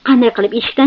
qanday qilib eshikdan